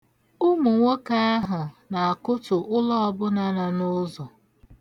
Ụmụ nwoke ahụ na-akụtu ụlọ ọbụla nọ n'ụzọ.